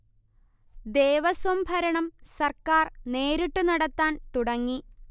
ദേവസ്വം ഭരണം സർക്കാർ നേരിട്ടു നടത്താൻ തുടങ്ങി